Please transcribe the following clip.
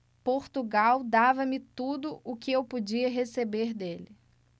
portugal dava-me tudo o que eu podia receber dele